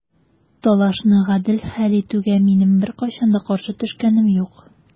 Талашны гадел хәл итүгә минем беркайчан да каршы төшкәнем юк.